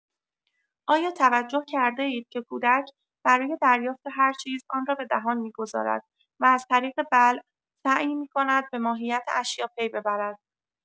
آیا توجه کرده‌اید که کودک برای دریافت هر چیز، آن را به دهان می‌گذارد و از طریق بلع، سعی می‌کند به ماهیت اشیا پی ببرد؟